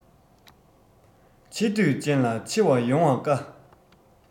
ཆེ འདོད ཅན ལ ཆེ བ ཡོང བ དཀའ